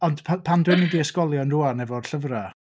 Ond pa- pan dwi'n mynd i ysgolion rŵan efo'r llyfrau...